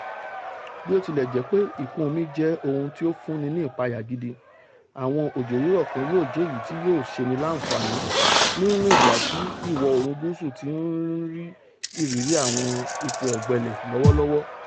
bó tilẹ̀ jẹ́ pé ìkùn-omi jẹ ohun tó fúnni ní ìpayà gidi, àwọn òjò-rírọ̀ kan yóò jẹ́ èyití yóò ṣeni láǹfààní níwọ̀n ìgbà tí Ìwọ̀-oòrùn gúúsù ti ń ní ìrírí àwọn ipò ọ̀gbẹlẹ̀ lọ́wọ́lọ́wọ́.